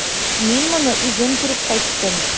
Мин моны үзем күреп кайттым.